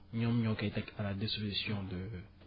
ñoom ñoo koy teg à la disposition de